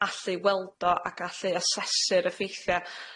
allu weld o, ac allu asesu'r effeithia'.